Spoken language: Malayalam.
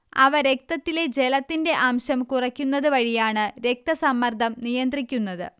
അവ രക്തത്തിലെ ജലത്തിന്റെ അംശം കുറയ്ക്കുന്നത് വഴിയാണ് രക്തസമ്മർദ്ദം നിയന്ത്രിക്കുന്നത്